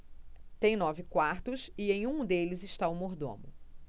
tem nove quartos e em um deles está o mordomo